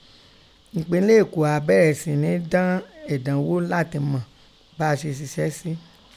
Ẹ̀pinlẹ Eko áá bẹrẹ si ni dan ẹ̀dánghò latin mọ báá se sisẹ si.